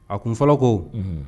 A kun fɔlɔ ko